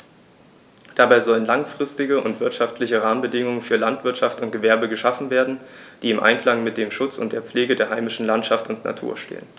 Dabei sollen langfristige und wirtschaftliche Rahmenbedingungen für Landwirtschaft und Gewerbe geschaffen werden, die im Einklang mit dem Schutz und der Pflege der heimischen Landschaft und Natur stehen.